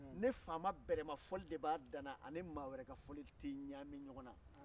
ne faama bɛrɛma fɔli de b'a dan na ani maa wɛrɛ ka fɔli tɛ ɲagami ɲɔgɔn na